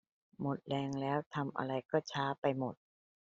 หมดแรงแล้วทำอะไรก็ช้าไปหมด